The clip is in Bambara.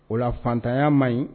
O la faantanya man ɲi